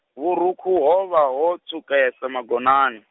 vhurukhu hovha ho tswukesa magonani.